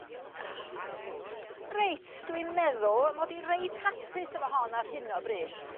Reit dwi'n meddwl mod i'n reit hapus efo hon ar hyn o bry'.